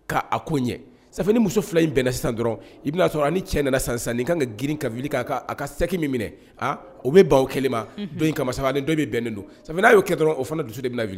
Ka a ko ɲɛ safɛ ni muso 2 in bɛn na dɔrɔn i bɛna sɔrɔ hali ni cɛ nana sisan sisan ni kan ka girin ka wuli k'a a ka saki min minɛ o bɛ ban o kɛli ma dɔ in kama safɛ ani do in de bɛnen don safɛ n'a ye kɛ dɔrɔn o fana dusu de bɛna